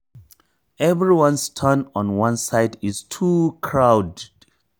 Everyone standing on one side is too crowded.